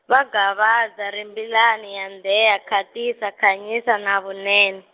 va Gavaza Rimbilana Yandheya Khatisa Khanyisa na vunene.